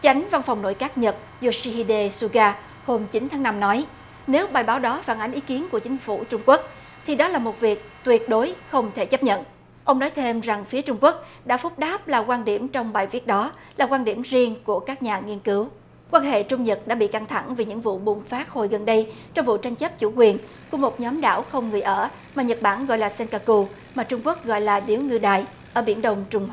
chánh văn phòng nội các nhật dô xi hi đê xu ga hôm chín tháng năm nói nếu bài báo đó phản ánh ý kiến của chính phủ trung quốc thì đó là một việc tuyệt đối không thể chấp nhận ông nói thêm rằng phía trung quốc đã phúc đáp là quan điểm trong bài viết đó là quan điểm riêng của các nhà nghiên cứu quan hệ trung nhật đã bị căng thẳng vì những vụ bùng phát hồi gần đây trong vụ tranh chấp chủ quyền của một nhóm đảo không người ở mà nhật bản gọi là xen ca cu mà trung quốc gọi là điếu ngư đài ở biển đông trùng